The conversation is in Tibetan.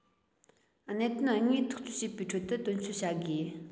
གནད དོན དངོས ཐག གཅོད བྱེད པའི ཁྲོད དུ དོན འཁྱོལ བྱ དགོས